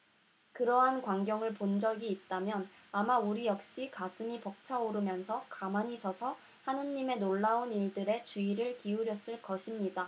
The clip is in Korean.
그러한 광경을 본 적이 있다면 아마 우리 역시 가슴이 벅차오르면서 가만히 서서 하느님의 놀라운 일들에 주의를 기울였을 것입니다